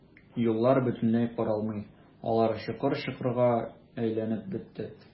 Юллар бөтенләй каралмый, алар чокыр-чакырга әйләнеп бетте.